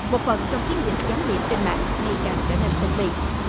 một phần trong chiến dịch gián điệp trên mạng ngày càng trở nên tinh vi